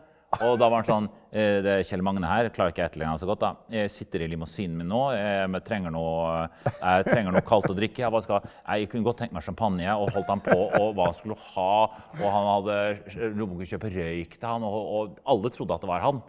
og da var han sånn det er Kjell-Magne her klarer ikke jeg å etterligne han så godt da jeg sitter i limousinen min nå jeg trenger noe jeg trenger noe kaldt å drikke ja hva skal du ha nei jeg kunne godt tenkt meg champagne og holdt han på og hva skulle ha og han hadde kjøpe røyk til han og og alle trodde at det var han.